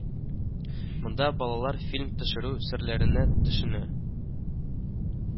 Монда балалар фильм төшерү серләренә төшенә